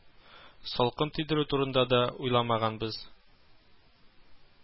Салкын тидерү турында да уйламаганбыз